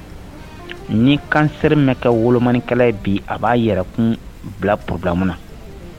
Ni cancer ma kɛ wolomanikɛla ye bi a b'a yɛrɛkun bila problème na